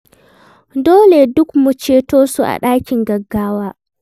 Dole duk mu ceto su a ɗakin gaggawa.